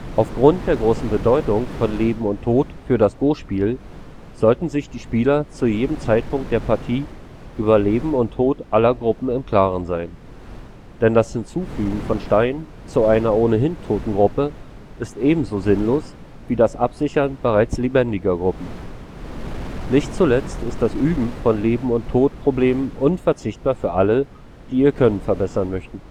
Aufgrund der großen Bedeutung von Leben und Tod für das Go-Spiel sollten sich die Spieler zu jedem Zeitpunkt der Partie über Leben und Tod aller Gruppen im Klaren sein. Denn das Hinzufügen von Steinen zu einer ohnehin toten Gruppe ist ebenso sinnlos wie das Absichern bereits lebendiger Gruppen. Nicht zuletzt ist das Üben von Leben-und-Tod-Problemen unverzichtbar für alle, die ihr Können verbessern möchten